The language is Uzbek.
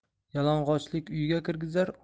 yalang'ochlik uyga kirgizar